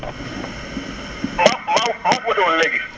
maa maa maa fi woote woon léegi